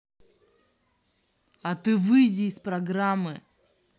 а ты выйди из программы